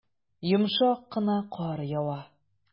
Йомшак кына кар ява.